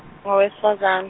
ngowesifazana.